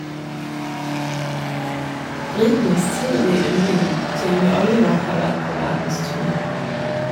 Britenes tv-yndling Jamie Oliver har vært på verdensturné.